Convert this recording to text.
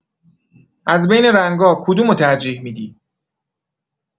از بین رنگا، کدومو ترجیح می‌دی؟